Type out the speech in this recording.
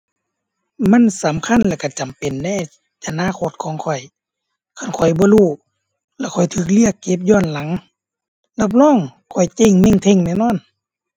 มันสำคัญแล้วก็จำเป็นในอนาคตของข้อย คันข้อยบ่รู้แล้วข้อยก็เรียกเก็บย้อนหลังรับรองข้อยเจ๊งเม้งเท่งแน่นอน